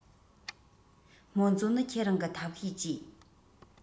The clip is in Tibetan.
རྨོན མཛོ ནི ཁྱེད རང གི ཐབས ཤེས གྱིས